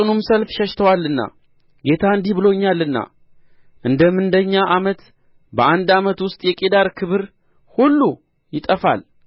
ከጽኑም ሰልፍ ሸሽተዋልና ጌታ እንዲህ ብሎኛልና እንደ ምንደኛ ዓመት በአንድ ዓመት ውስጥ የቄዳር ክብር ሁሉ ይጠፋል